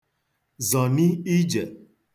zọ̀ni ijè